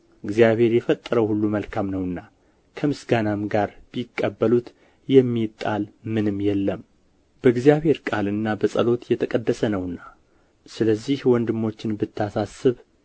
እግዚአብሔር የፈጠረው ሁሉ መልካም ነውና ከምስጋናም ጋር ቢቀበሉት የሚጣል ምንም የለም በእግዚአብሔር ቃልና በጸሎት የተቀደሰ ነውና ስለዚህ ወንድሞችን ብታሳስብ